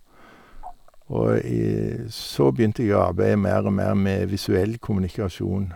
Og i så begynte jeg å arbeide mer og mer med visuell kommunikasjon.